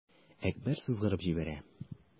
Әкбәр сызгырып җибәрә.